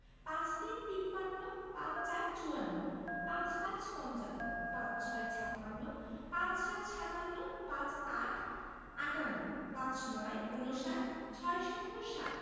৫৩ - তিপ্পান্ন ৫৪ - চুয়ান্ন ৫৫ – পঞ্চান্ন ৫৬ – ছাপ্পান্ন ৫৭ – সাতান্ন ৫৮ – আটান্ন ৫৯ - ঊনষাট ৬০ - ষাট